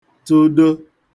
tụdo